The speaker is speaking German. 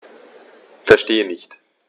Verstehe nicht.